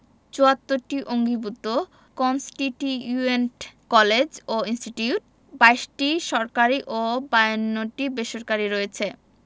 ৭৪টি অঙ্গীভুত constituent college ও institute ২২টি সরকারি ও ৫২টি বেসরকারি রয়েছে